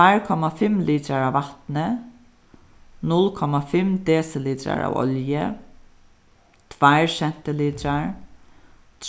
tveir komma fimm litrar av vatni null komma fimm desilitrar av olju tveir sentilitrar